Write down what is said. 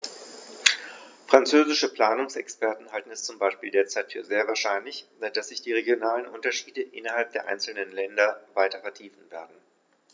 Französische Planungsexperten halten es zum Beispiel derzeit für sehr wahrscheinlich, dass sich die regionalen Unterschiede innerhalb der einzelnen Länder weiter vertiefen werden.